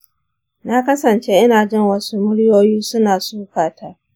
na kasance ina jin wasu muryoyi suna sukata.